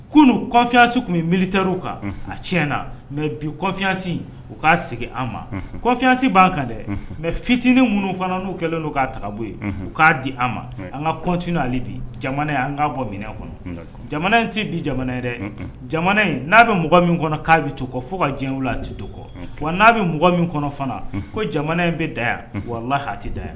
Kununu kɔnfiyasi tun bɛ mitɛr kan a ti na mɛ biffiyasi u k'a sigi an ma kɔfiyasi b'an kan dɛ mɛ fitinin minnu fana n'u kɛlen' k'a taga bɔ ye u k'a di an ma an kafiale bi jamana ye an k'a bɔ minɛnan kɔnɔ jamana in tɛ bi jamana ye dɛ jamana in n'a bɛ mɔgɔ min kɔnɔ k'a bɛ to kɔ fo ka diɲɛ la a tu to kɔ n'a bɛ mɔgɔ min kɔnɔ fana ko jamana in bɛ da yan wala la'a tɛ da yan